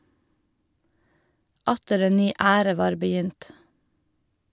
Atter en ny ære var begynt.